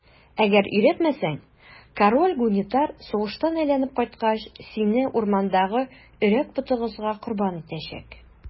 Әгәр өйрәтмәсәң, король Гунитар сугыштан әйләнеп кайткач, сине урмандагы Өрәк потыгызга корбан итәчәк.